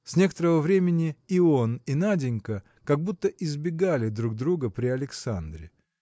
С некоторого времени и он и Наденька как будто избегали друг друга при Александре.